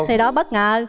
thì đó bất ngờ